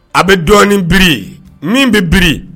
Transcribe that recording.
A bɛ dɔɔnin biri, min bɛ biri